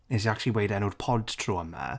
Nes i actually weud enw'r pod tro yma.